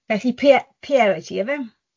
Felly, Pie- Pierre wyt ti yfe?